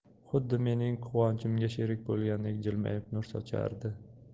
xuddi mening quvonchimga sherik bo'lgandek jilmayib nur sochardi